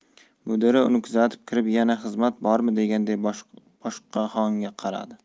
mudira uni kuzatib kirib yana xizmat bormi deganday boshqonga qaradi